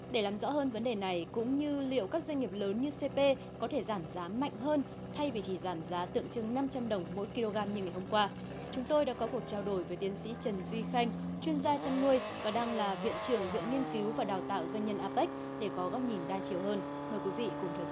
để làm rõ hơn vấn đề này cũng như liệu các doanh nghiệp lớn như xê bê có thể giảm giá mạnh hơn thay vì chỉ giảm giá tượng trưng năm trăm đồng mỗi ki lô gam như ngày hôm qua chúng tôi đã có cuộc trao đổi với tiến sĩ trần duy khanh chuyên gia chăn nuôi và đang là viện trưởng viện nghiên cứu và đào tạo doanh nhân a pếc để có góc nhìn đa chiều hơn mời quý vị cùng theo